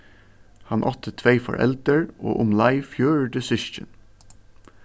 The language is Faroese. hann átti tvey foreldur og umleið fjøruti systkin